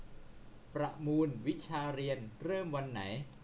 ประมูลวิชาเรียนเริ่มวันไหน